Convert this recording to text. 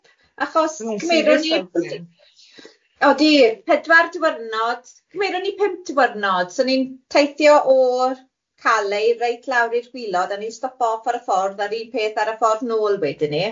achos cymeron ni odi pedwar diwrnod cymeron ni pum diwrnod so ni'n taithio o'r Calais reit lawr i'r gwylod a ni stop off ar y ffordd a'r un peth ar y ffordd nôl wedyn ni.